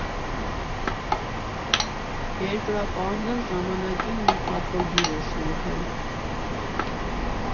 Երկրապահն էլ ժամանակին մի պատվոգիր է շնորհել։